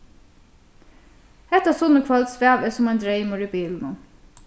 hetta sunnukvøld svav eg sum ein dreymur í bilinum